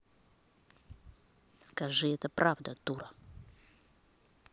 скажи это правда дура